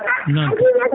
noon tigi